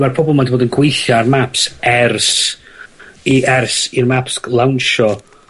...ma'r pobol 'ma 'di bod yn gweithio ar Maps ers i ers i'r Maps lawnsio